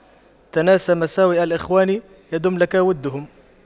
تناس مساوئ الإخوان يدم لك وُدُّهُمْ